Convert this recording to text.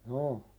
joo